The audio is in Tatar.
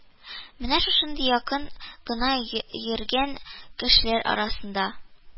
Менә шушында, якында гына йөргән кешеләр арасында